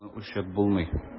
Аны үлчәп булмый.